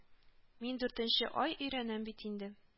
Мин дүртенче ай өйрәнәм бит инде